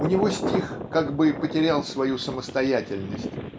У него стих как бы потерял свою самостоятельность